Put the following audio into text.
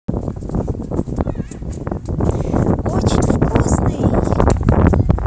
очень вкусный